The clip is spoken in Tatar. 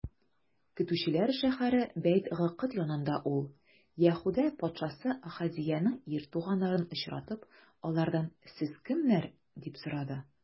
Көтүчеләр шәһәре Бәйт-Гыкыд янында ул, Яһүдә патшасы Ахазеянең ир туганнарын очратып, алардан: сез кемнәр? - дип сорады.